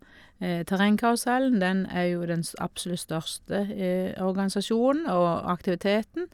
Terrengkarusellen, den er jo den s absolutt største organisasjonen og aktiviteten.